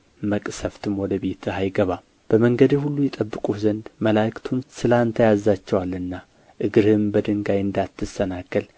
መቅሠፍትም ወደ ቤትህ አይገባም በመንገድህ ሁሉ ይጠብቁህ ዘንድ መላእክቱን ስለ አንተ ያዝዛቸዋልና እግርህም በድንጋይ እንዳትሰናከል